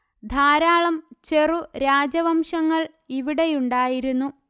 ധാരാളം ചെറു രാജ വംശങ്ങൾ ഇവിടെയുണ്ടായിരുന്നു